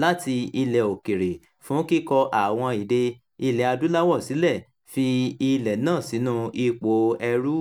láti ilẹ̀ òkèèrè, fún kíkọ àwọn èdè Ilẹ̀-Adúláwọ̀ sílẹ̀, fi ilẹ̀ náà sínú ipò ẹrú.